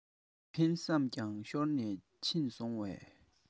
མི འཕེན བསམ ཀྱང ཤོར ནས ཕྱིན སོང བས